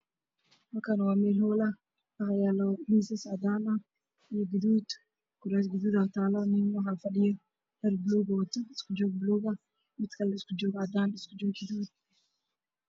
Halkaan waa meel howl ah waxaa yaalo miisas cadaan iyo gaduud kuraas gaduud taalo nin waxaa fadhiya dhar baluug ah wado isku joog baluug ah mid kale isku joog cadaan ah isku joog gaduud ah.